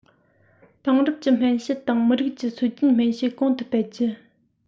དེང རབས ཀྱི སྨན དཔྱད དང མི རིགས ཀྱི སྲོལ རྒྱུན སྨན དཔྱད གོང ཏུ སྤེལ རྒྱུ